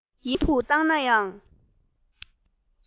ཡིན བའི དབང དུ བཏང ནའང